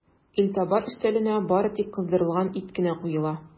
Илтабар өстәленә бары тик кыздырылган ит кенә куела.